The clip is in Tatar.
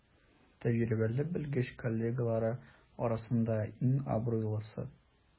Тәҗрибәле белгеч коллегалары арасында иң абруйлысы.